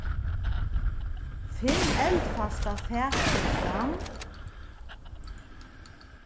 finn eldfasta fatið fram